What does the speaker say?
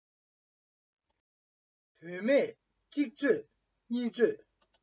དོན མེད གཅིག རྩོད གཉིས རྩོད